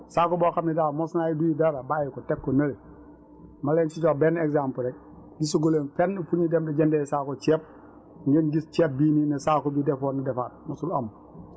saako boo xam ni daal mos naay duy dara bàyyi ko teg ko nële ma leen siy jox benn exemple rekk gisagu leen fenn fu ñuy dem di jëndee saaku ceeb ngeen gis ceeb bi ñu ne saako bi defoon na defaat mosul am